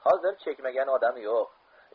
hozir chekmagan odam yo'q